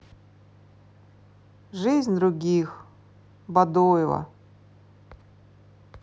жизнь других бадоева